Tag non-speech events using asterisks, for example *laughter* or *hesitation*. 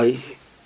*hesitation* *hesitation*